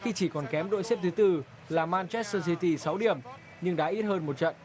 khi chỉ còn kém đội xếp thứ tư là man chét tơ xi ti sáu điểm nhưng đá ít hơn một trận